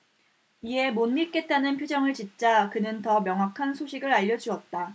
이에 못 믿겠다는 표정을 짓자 그는 더 명확한 소식을 알려주었다